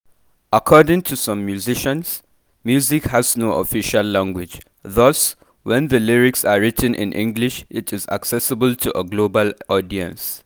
According to some musicians, music has no official language, thus when the lyrics are written in English it is accessible to a global audience.